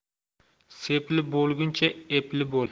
sepli bo'lguncha eph bo'l